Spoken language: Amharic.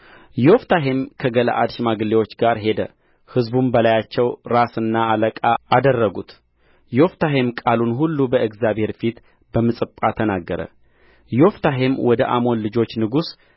ዮፍታሔም ከገለዓድ ሽማግሌዎች ጋር ሄደ ሕዝቡም በላያቸው ራስና አለቃ አደረጉት ዮፍታሔም ቃሉን ሁሉ በእግዚአብሔር ፊት በምጽጳ ተናገረ ዮፍታሔም ወደ አሞን ልጆች ንጉሥ